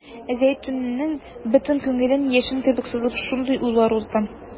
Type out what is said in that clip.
Зәйтүнәнең бөтен күңелен яшен кебек сызып шундый уйлар узды.